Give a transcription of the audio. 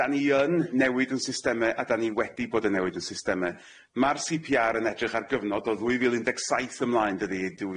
'Dan ni yn newid 'yn systeme a 'dan ni wedi bod yn newid 'yn systeme ma'r See Pee Are yn edrych ar gyfnod o ddwy fil undeg saith ymlaen dydi?